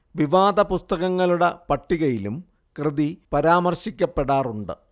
വിവാദ പുസ്തകങ്ങളുടെ പട്ടികയിലും കൃതി പരാമർശിക്കപ്പെടാറുണ്ട്